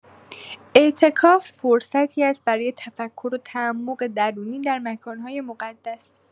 اعتکاف فرصتی است برای تفکر و تعمق درونی در مکان‌های مقدس.